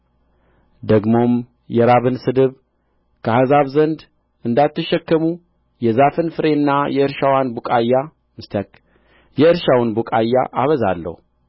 ደግሞም የራብን ስድብ ከአሕዛብ ዘንድ እንዳትሸከሙ የዛፍን ፍሬና የእርሻውን ቡቃያ አበዛለሁ